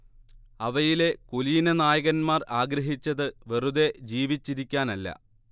അവയിലെ കുലീനനായകന്മാർ ആഗ്രഹിച്ചത് വെറുതേ ജീവിച്ചിരിക്കാനല്ല